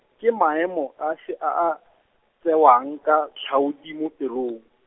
ke maemo afe a a, tsewang ke tlhaodi mo pelong?